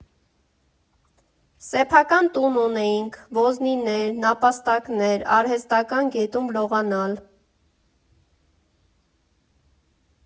Սեփական տուն ունեինք՝ ոզնիներ, նապաստակներ, արհեստական գետում լողանալ…